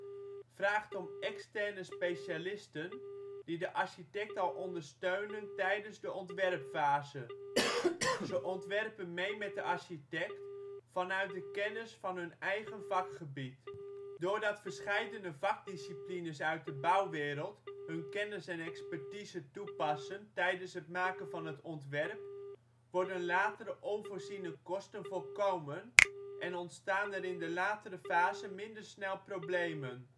vraagt om externe specialisten die de architect al ondersteunen tijdens de ontwerpfase. Ze ontwerpen mee met de architect vanuit de kennis van hun eigen vakgebied. Doordat verscheidene vakdisciplines uit de bouwwereld hun kennis en expertise toepassen tijdens het maken van het ontwerp worden latere onvoorziene kosten voorkomen en ontstaan er in de latere fase minder snel problemen